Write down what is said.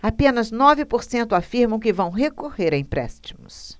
apenas nove por cento afirmam que vão recorrer a empréstimos